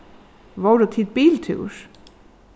vóru tit biltúr